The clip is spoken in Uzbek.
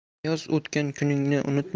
ayoz o'tgan kuningni